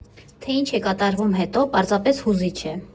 Թե ինչ է կատարվում հետո, «պարզապես հուզիչ է»։